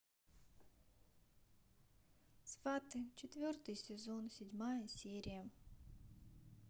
сваты четвертый сезон седьмая серия